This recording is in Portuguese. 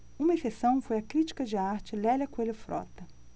uma exceção foi a crítica de arte lélia coelho frota